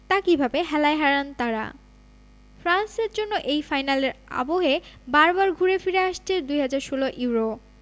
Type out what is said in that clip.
তা কিভাবে হেলায় হারান তাঁরা ফ্রান্সের জন্য এই ফাইনালের আবহে বারবার ঘুরে ফিরে আসছে ২০১৬ ইউরো